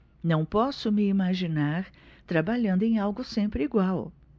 não posso me imaginar trabalhando em algo sempre igual